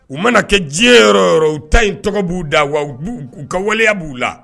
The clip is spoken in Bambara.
U mana kɛ diɲɛ yɔrɔ yɔrɔ u ta in tɔgɔ b'u da wa k'u ka waleya b' uu la